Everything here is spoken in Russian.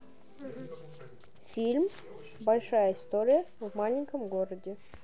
фильм большая история в маленьком городе